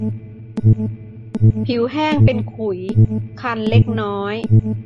ผิวแห้งเป็นขุยคันเล็กน้อย